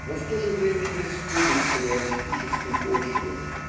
но в то же время не сходит с реалистической почвы